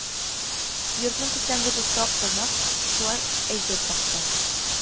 Йортның күптәнге дусты Актырнак шулай әҗәл тапты